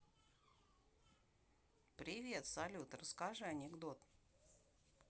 привет салют расскажи анекдот